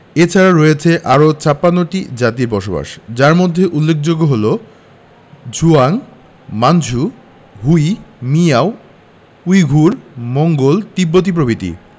এছারাও রয়েছে আরও ৫৬ টি জাতির বাসযার মধ্যে উল্লেখযোগ্য হলো Zhuang Manchu Hui Miao Uyghur Mongol তিব্বতি প্রভৃতি